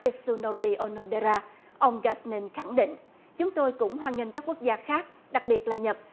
i su nô ri ô nô đa ra ông ga min khẳng định chúng tôi cũng hoan nghênh các quốc gia khác đặc biệt là nhật